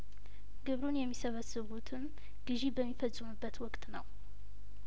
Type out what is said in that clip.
ግብሩን የሚሰበስቡትም ግዢ በሚፈጽሙበት ወቅት ነው